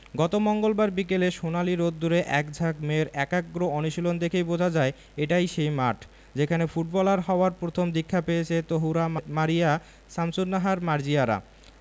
গত মঙ্গলবার বিকেলে সোনালি রোদ্দুরে একঝাঁক মেয়ের একাগ্র অনুশীলন দেখেই বোঝা যায় এটাই সেই মাঠ যেখানে ফুটবলার হওয়ার প্রথম দীক্ষা পেয়েছে তহুরা মারিয়া শামসুন্নাহার মার্জিয়ারা